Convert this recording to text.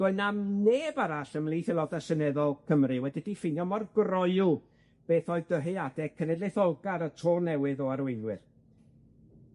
Doedd 'na neb arall ymhlith aeloda seneddol Cymru wedi diffinio mor groyw beth oedd dyheadau cenedlaetholgar y to newydd o arweinwyr.